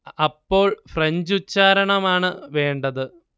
അപ്പോൾ ഫ്രഞ്ചുച്ചാരണമാണ് വേണ്ടത്